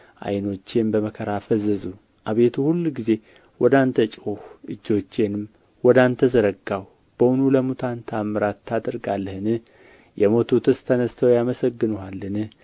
ዓይኖቼም በመከራ ፈዘዙ አቤቱ ሁልጊዜ ወደ አንተ ጮኽሁ እጆቼንም ወደ አንተ ዘረጋሁ በውኑ ለሙታን ተኣምራት ታደርጋለህን የሞቱትስ ተነሥተው ያመሰግኑሃልን